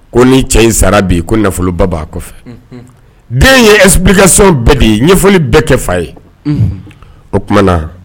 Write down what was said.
Ko ni cɛ in sara bi ko nafoloba b'a kɔfɛ den ye epkasɔn bɛɛ de ye ɲɛfɔ bɛɛ kɛ fa ye o t tumaumana na